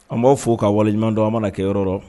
An b' fo k ka waleɲumandon an mana na kɛyɔrɔ dɔn